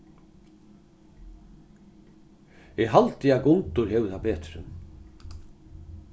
eg haldi at gundur hevur tað betri